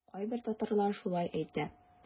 Кайбер татарлар шулай әйтә.